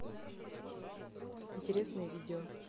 интересные видео